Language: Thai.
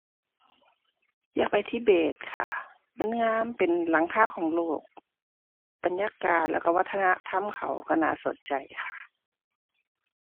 อยากไปทิเบตค่ะ มันงามเป็นหลังคาของโลก บรรยากาศแล้วก็วัฒนธรรมเขาก็น่าสนใจค่ะ